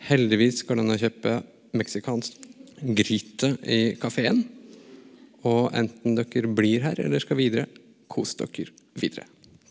heldigvis går det an å kjøpe meksikansk gryte i kafeen, og enten dere blir her eller skal videre, kos dere videre!